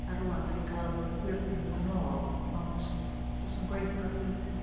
A rŵan dan ni'n gweld y gwyrddni'n dod yn ôl ond does 'na'm gwaith yma wedyn.